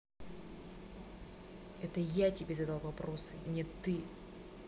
это я тебе задал вопросы не ты